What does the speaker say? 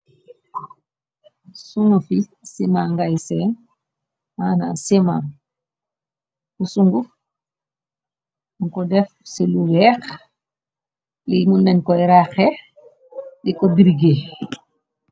Sungufi simanngay seen, mana siman bu sungu, ko def ci lu weex, li mu nañ koy raaxee, di ko birgee.